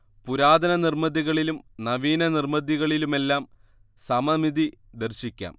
പുരാതന നിർമിതികളിലും നവീനനിർമിതികളിലുമെല്ലാം സമമിതി ദർശിക്കാം